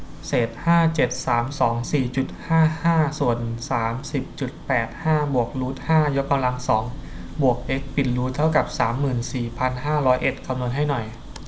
เศษห้าเจ็ดสามสองสี่จุดห้าห้าส่วนสามสิบจุดแปดห้าบวกรูทห้ายกกำลังสองบวกเอ็กซ์ปิดรูทเท่ากับสามหมื่นสี่พันห้าร้อยเอ็ดคำนวณให้หน่อย